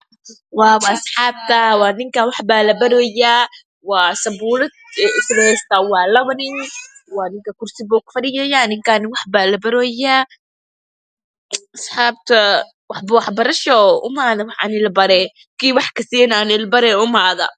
Asxabta waa ninkan wax baa labaroya sabuurad isla heestan waa labo nin mid korsi ku fadhiya nin kan wax baa labaroya asxabta wax barasho u imada wax hanila bare kii wax Kasen hanila bare